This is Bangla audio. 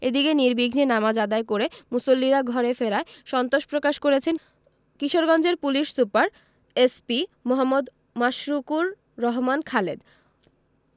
এদিকে নির্বিঘ্নে নামাজ আদায় করে মুসল্লিরা ঘরে ফেরায় সন্তোষ প্রকাশ করেছেন কিশোরগঞ্জের police super SP Md. Mashrukur Rahman Khaled